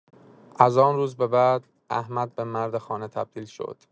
از آن روز به بعد، احمد به مرد خانه تبدیل شد.